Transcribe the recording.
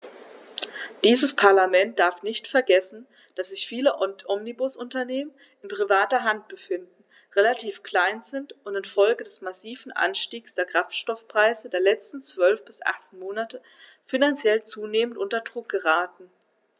Dieses Parlament darf nicht vergessen, dass sich viele Omnibusunternehmen in privater Hand befinden, relativ klein sind und in Folge des massiven Anstiegs der Kraftstoffpreise der letzten 12 bis 18 Monate finanziell zunehmend unter Druck geraten.